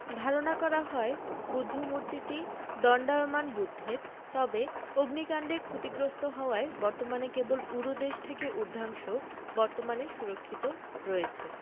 ধারণা করা হয় বুদ্ধমূর্তিটি দন্ডায়মান বুদ্ধের তবে অগ্নিকান্ডে ক্ষতিগ্রস্থ হওয়ায় বর্তমানে কেবল উরুদেশ থেকে উর্ধ্বাংশ বর্তমানে সুরক্ষিত রয়েছে